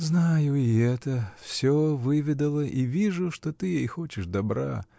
— Знаю и это: всё выведала и вижу, что ты ей хочешь добра.